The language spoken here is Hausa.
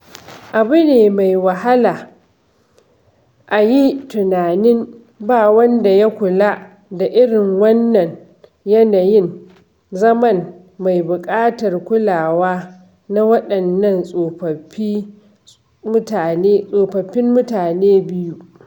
Abu ne mai wahala a yi tunanin ba wanda ya kula da irin wannan yanayin zama mai buƙatar kulawa na waɗannan tsofaffin mutane biyu.